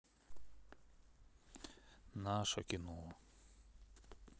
наше кино